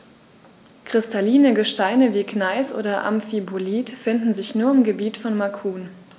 Kristalline Gesteine wie Gneis oder Amphibolit finden sich nur im Gebiet von Macun.